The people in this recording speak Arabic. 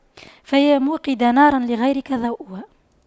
فيا موقدا نارا لغيرك ضوؤها